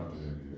partenaires yépp